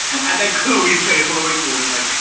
And then Chloe's face all the way through is like...